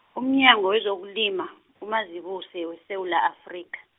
umnyango wezokulima, uMazibuse weSewula Afrika.